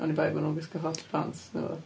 Oni bai bod nhw'n gwisgo hot pants neu rywbath.